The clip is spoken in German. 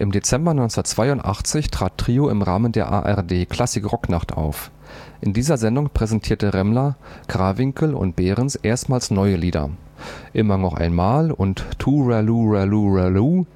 Dezember 1982 trat Trio im Rahmen der „ ARD Klassik Rocknacht “auf. In dieser Sendung präsentierten Remmler, Krawinkel und Behrens erstmals neue Lieder („ Immer noch einmal “und „ Tooralooralooraloo